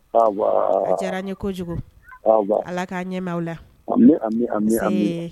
Diyara n ye kojugu ala k'a ɲɛma la